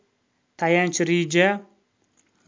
tayanch reja